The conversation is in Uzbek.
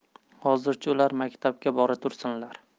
hozircha ular maktabga bora tursinlar